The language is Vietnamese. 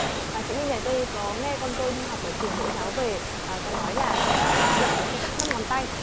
à chị ly này tôi có nghe con tôi đi học ở trường mẫu giáo về có nói là cháu được dạy về quy tắc năm ngón tay